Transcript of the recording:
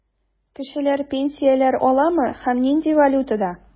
Кешеләр пенсияләр аламы һәм нинди валютада?